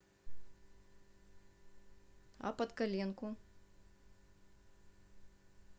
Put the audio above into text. а под коленку